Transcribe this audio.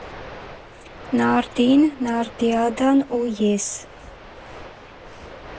Նարդին, Նարդիադան ու ես։